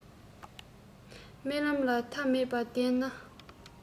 རྨི ལམ ལ མཐའ མེད པ བདེན ན